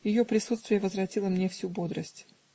Ее присутствие возвратило мне всю бодрость.